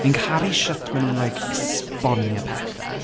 fi'n caru shwt ma' nhw'n like, esbonio pethe.